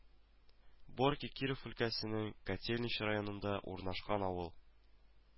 Борки Киров өлкәсенең Котельнич районында урнашкан авыл